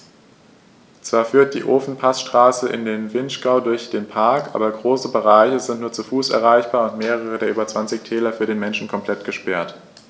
Zwar führt die Ofenpassstraße in den Vinschgau durch den Park, aber große Bereiche sind nur zu Fuß erreichbar und mehrere der über 20 Täler für den Menschen komplett gesperrt.